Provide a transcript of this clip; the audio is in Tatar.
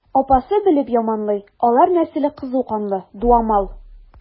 Апасы белеп яманлый: алар нәселе кызу канлы, дуамал.